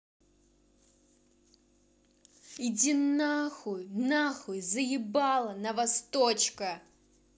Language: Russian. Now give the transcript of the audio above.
иди на хуй нахуй заебала на восточка